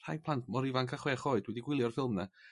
Rhai plant mor ifanc â chwech oed wedi gwylio'r ffilm 'na.